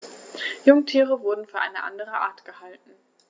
Jungtiere wurden für eine andere Art gehalten.